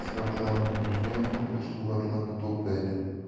shartlarini buzgan holda suratlarni to'playdi